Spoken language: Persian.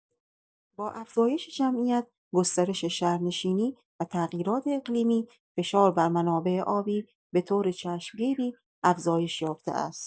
با افزایش جمعیت، گسترش شهرنشینی و تغییرات اقلیمی، فشار بر منابع آبی به‌طور چشمگیری افزایش یافته است.